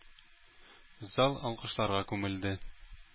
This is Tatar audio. Зал алкышларга күмелде.